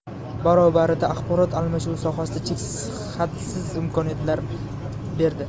barobarida axborot almashuvi sohasida cheksiz hadsiz imkoniyatlar berdi